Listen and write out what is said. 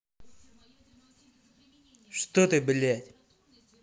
что ты блядь